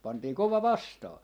pantiin kova vastaan